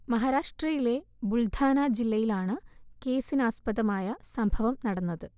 മഹാരാഷ്ട്രയിലെ ബുൾ ധാന ജില്ലയിലാണ് കേസിന് ആസ്പദമായ സംഭവം നടന്നത്